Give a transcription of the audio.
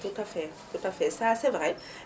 tout à fait tout à fait ça c' est vrai